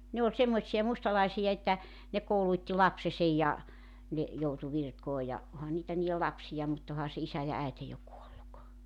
ne oli semmoisia mustalaisia että ne koulutti lapsensa ja ne joutui virkoihin ja onhan niitä niiden lapsia mutta onhan se isä ja äiti jo kuollut